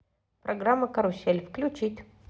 программа карусель включить